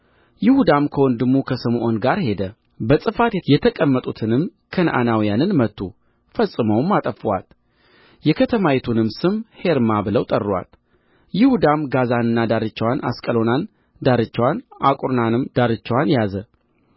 ይሁዳም ከወንድሙ ከስምዖን ጋር ሄደ በጽፋት የተቀመጡትንም ከነዓናውያንን መቱ ፈጽመውም አጠፉአት የከተማይቱንም ስም ሔርማ ብለው ጠሩአት ይሁዳም ጋዛንና ዳርቻዋን አስቀሎናንና ዳርቻዋን አቃሮንንና ዳርቻዋን ያዘ